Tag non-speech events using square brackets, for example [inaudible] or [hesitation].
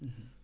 [hesitation] [hesitation]